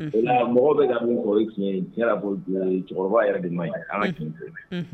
O la mɔgɔ bɛ ka min fɔ o ye tiɲɛ cɛkɔrɔba yɛrɛ de ma ye an kia tiɲn fɔ.